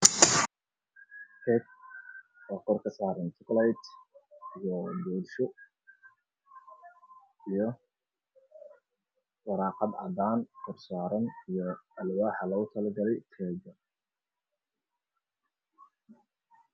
Alwaax oo kor kasaaran jokoleel iyo waraaqad cadaan